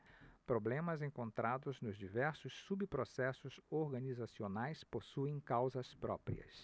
problemas encontrados nos diversos subprocessos organizacionais possuem causas próprias